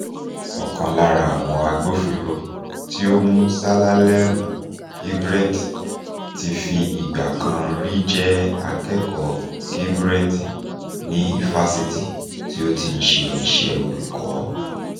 Ọ̀kan lára àwọn agbófinró tí ó mú Zelalem Kibret ti fi ìgbà kan rí jẹ́ akẹ́kọ̀ọ́ Kibret ní Ifásitì tí ó ti ń ṣe iṣẹ́ olùkọ́.